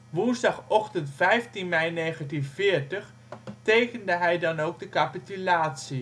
Woensdagochtend 15 mei 1940 tekende hij dan ook de capitulatie